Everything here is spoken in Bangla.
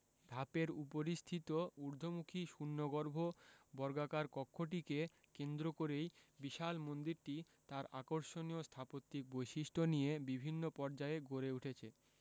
ধাপের উপরিস্থিত ঊর্ধ্বমুখী শূন্যগর্ভ বর্গাকার কক্ষটিকে কেন্দ্র করেই বিশাল মন্দিরটি তার আকর্ষণীয় স্থাপত্যিক বৈশিষ্ট্য নিয়ে বিভিন্ন পর্যায়ে গড়ে উঠেছে